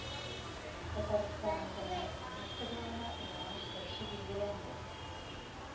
Татарстан мәдәният министрлыгына яңа җитәкче билгеләнде